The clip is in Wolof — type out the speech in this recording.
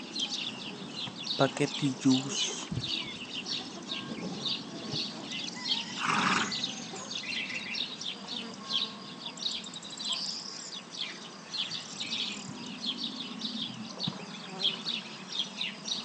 Packeti juice.